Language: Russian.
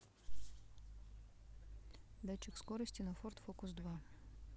датчик скорости на ford focus два